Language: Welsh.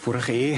Ffwr a chi.